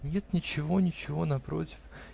-- Нет, ничего, ничего; напротив.